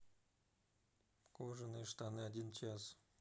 кожаные штаны один час